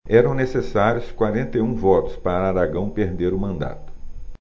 eram necessários quarenta e um votos para aragão perder o mandato